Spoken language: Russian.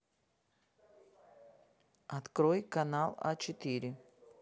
открой канал а четыре